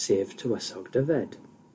sef tywysog Dyfed.